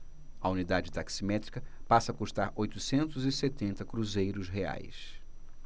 a unidade taximétrica passa a custar oitocentos e setenta cruzeiros reais